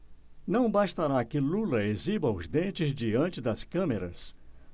não bastará que lula exiba os dentes diante das câmeras